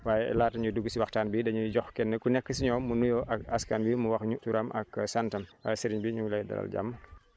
waaye laata ñuy dugg si waxtaan bi dañuy jox kenn ku nekk si ñoom mu nuyoo ak askan wi mu wax ñu turam ak santam sëriñ bi ñu ngi lay dalal jàmm